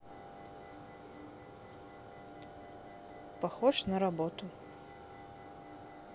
похож на работу